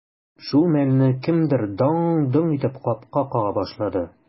Шул мәлне кемдер даң-доң итеп капка кага башлады.